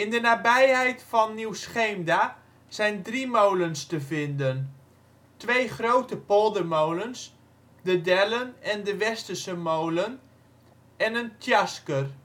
de nabijheid van Nieuw-Scheemda zijn drie molens te vinden; twee grote poldermolens, De Dellen en de Westerse Molen, en een tjasker